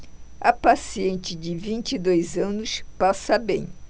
a paciente de vinte e dois anos passa bem